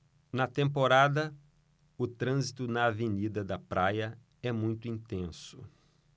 na temporada o trânsito na avenida da praia é muito intenso